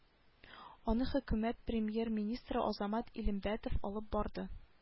Аны хөкүмәт премьер-министры азамат илембәтов алып барды